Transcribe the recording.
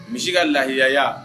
Misi ka lahiyaya